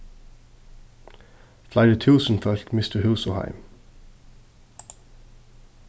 fleiri túsund fólk mistu hús og heim